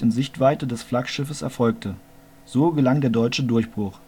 Sichtweite des Flaggschiffes erfolgte ". So gelang der deutsche Durchbruch